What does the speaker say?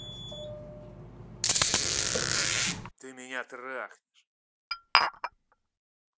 ты меня трахнешь